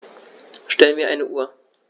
Stell mir eine Uhr.